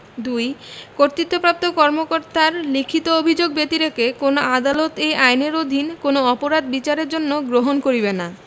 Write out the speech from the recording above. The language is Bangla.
২ কর্তৃত্বপ্রাপ্ত কর্মকর্তার লিখিত অভিযোগ ব্যতিরেকে কোন আদালত এই আইনের অধীন কোন অপরাধ বিচারের জন্য গ্রহণ করিবে না